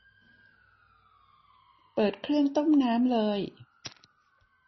เปิดเครื่องต้มน้ำเลย